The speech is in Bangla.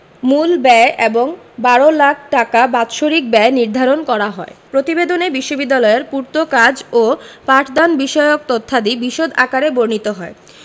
মূল ব্যয় এবং ১২ লাখ টাকা বাৎসরিক ব্যয় নির্ধারণ করা হয় প্রতিবেদনে বিশ্ববিদ্যালয়ের পূর্তকাজ ও পাঠদানবিষয়ক তথ্যাদি বিশদ আকারে বর্ণিত হয়